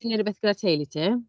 Ti'n wneud rywbeth gyda teulu ti?